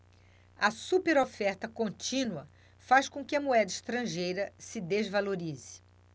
a superoferta contínua faz com que a moeda estrangeira se desvalorize